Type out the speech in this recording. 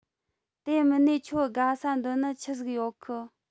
དེ མིན ནས ཁྱོའ དགའ ས འདོད ནི ཆི ཟིག ཡོད གི